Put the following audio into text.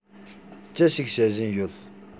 ཅི ཞིག བྱེད བཞིན ཡོད